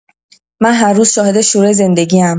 من هر روز شاهد شروع زندگی‌ام.